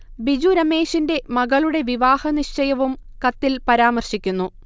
ബിജു രമേശിന്റെ മകളുടെ വിവാഹ നിശ്ഛയവും കത്തിൽ പരാമർശിക്കുന്നു